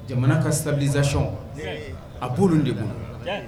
Jamana ka sabuztiɔn a bolo de kun